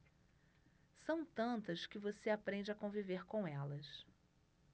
são tantas que você aprende a conviver com elas